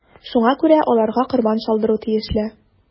Шуңа күрә аларга корбан чалдыру тиешле.